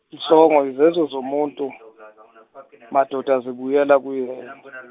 Mhlongo, izenzo zomuntu, madoda zibuyela kuyena.